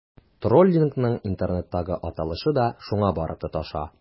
Троллингның интернеттагы аталышы да шуңа барып тоташа.